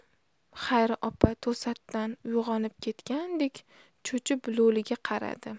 xayri opa to'satdan uyg'onib ketgandek cho'chib lo'liga qaradi